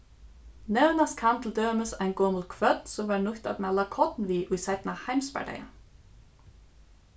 nevnast kann til dømis ein gomul kvørn sum varð nýtt at mala korn við í seinna heimsbardaga